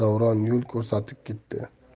davron yo'l ko'rsatib ketdi